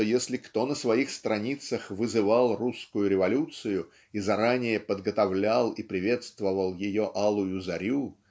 что если кто на своих страницах вызывал русскую революцию и заранее подготовлял и приветствовал ее алую зарю